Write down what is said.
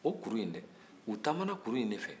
o kuru in dɛ u taamana kuru in de fɛ